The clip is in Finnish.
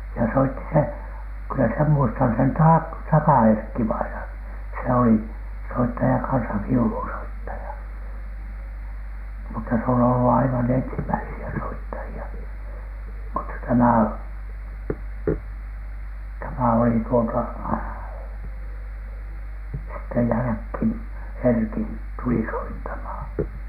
ja soitti se kyllä sen muistan sen - Taka Erkki-vainaan se oli soittaja kanssa viulunsoittaja mutta se on ollut aivan ensimmäisiä soittajia mutta tämä - tämä oli tuota sitten jälkeen Erkin tuli soittamaan